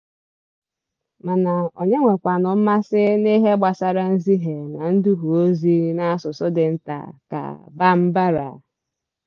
Mana onye nwekwanụ mmasị n'ihe mgbasara nzihe na nduhe ozi n'asụsụ dị nta ka Bambara?